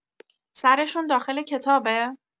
سرشون داخل کتابه؟